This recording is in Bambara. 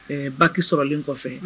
Ɛɛ Bac sɔrɔlen kɔfɛ